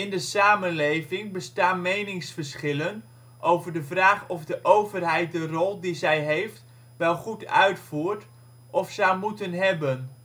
de samenleving bestaan meningsverschillen over de vraag of de overheid de rol die zij heeft wel goed uitvoert of zou moeten hebben